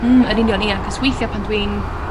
Hmm yn union ia ac'os weithia' pan dwi'n